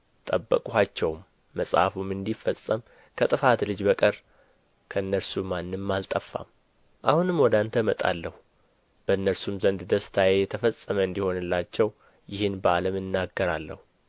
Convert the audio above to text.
ጠበቅኋቸውም መጽሐፉም እንዲፈጸም ከጥፋት ልጅ በቀር ከእነርሱ ማንም አልጠፋም አሁንም ወደ አንተ እመጣለሁ በእነርሱም ዘንድ ደስታዬ የተፈጸመ እንዲሆንላቸው ይህን በዓለም እናገራለሁ